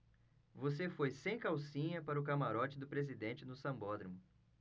você foi sem calcinha para o camarote do presidente no sambódromo